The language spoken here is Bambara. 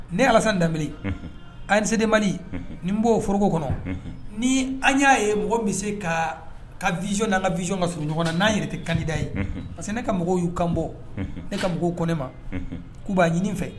Ne ala danbemb ka sedenma nin b'o foroko kɔnɔ ni an y'a ye mɔgɔ bɛ se ka ka vizɔn n ka viyɔn ka surun ɲɔgɔnɔn na n'a yɛrɛ tɛ kada ye parce que ne ka mɔgɔw y'u kan bɔ ne ka mɔgɔw kɔn ne ma k'u b'a ɲini fɛ